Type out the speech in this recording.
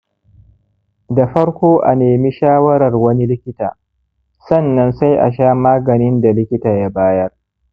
da farko a nemi shawarar wani likita sannan sai a sha maganin da likita ya bayar